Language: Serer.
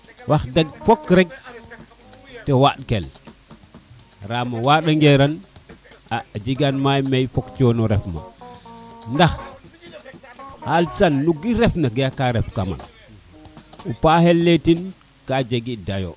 wax deg fok rek te waaɗ kel ram o waɗa ngeran a jega may men fok cono ref ma ndax xalisan no gin ref na ge e ka ref kama ne o paxel ley teen ka jegit deyo